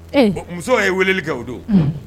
E muso ye weleli kɛ o don unhun